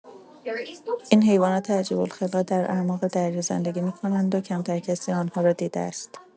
این حیوانات عجیب‌الخلقه در اعماق دریا زندگی می‌کنند و کمتر کسی آن‌ها را دیده است.